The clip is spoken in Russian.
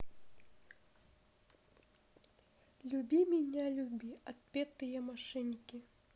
люби меня люби отпетые мошенники